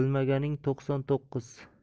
bilmaganing to'qson to'qqiz